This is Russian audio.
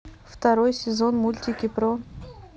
второй сензон мультики про